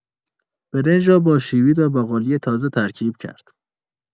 برنج را با شوید و باقالی تازه ترکیب کرد.